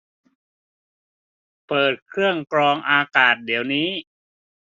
เปิดเครื่องกรองอากาศเดี๋ยวนี้